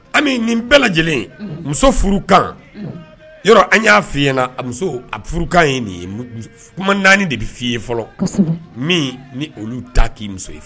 Ami nin bɛɛ lajɛlen, unhun, muso furukan yɔrɔ an y'a fɔ i ɲɛna muso a furukan ye nin ye kuma 4 de bɛ f'i ye fɔlɔ, kosɛbɛ, min ni olu t'a k'i muso ye